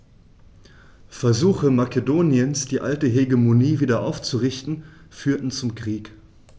Versuche Makedoniens, die alte Hegemonie wieder aufzurichten, führten zum Krieg.